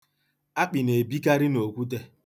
Akpị na-ebikarị n'okwute.